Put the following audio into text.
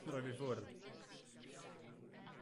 Ti roi fi ffwr'.